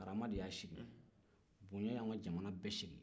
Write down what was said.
karama de y'a sigi bonya y'anw ka jamana bɛɛ sigi